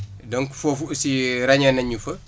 donc foofu aussi ràññee nañ ñu fa